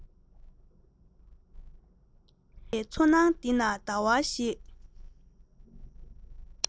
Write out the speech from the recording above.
དྭངས པའི མཚོ ནང འདི ན ཟླ བ ཞེས